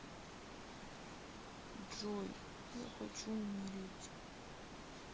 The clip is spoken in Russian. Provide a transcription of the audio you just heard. джой я хочу умереть